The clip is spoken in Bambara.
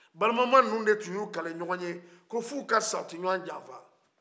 balemama ninnu de tun ye u kale ɲɔgɔn ye ko f ' u ka sa u tɛ ɲɔgɔn diyanfa